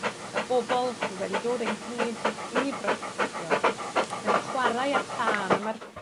y bobol sy wedi dod ynghyd i brotestio, yn chwarae a thân, a ma'r